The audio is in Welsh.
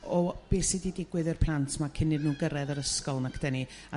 o... Be' sy 'di digwydd i'r plant ma' cyn iddyn nhw gyrr'edd yr ysgol nac 'dan ni?